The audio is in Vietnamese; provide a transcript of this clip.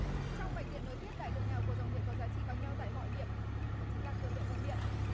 trong mạch điện nội tiết đại lượng nào của dòng điện có giá trị bằng nhau tại mọi điểm đó chính là cường độ dòng điện